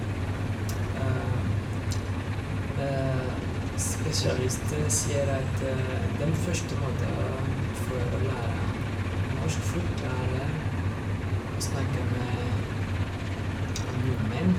Spesialister sier at den første måten for å lære norsk fort, er å snakke med en nordmenn.